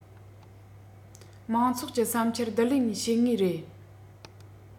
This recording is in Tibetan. མང ཚོགས ཀྱི བསམ འཆར བསྡུ ལེན བྱེད ངེས རེད